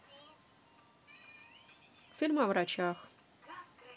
фильмы о врачах